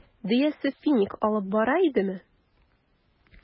Дөясе финик алып бара идеме?